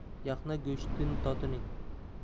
yaxna go'shtdin totining